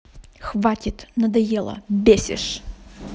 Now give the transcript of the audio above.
хватит надоело бесишь